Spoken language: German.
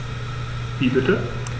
Wie bitte?